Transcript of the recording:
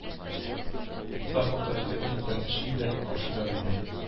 Татар халкы элек-электән эшли дә, ашый да белгән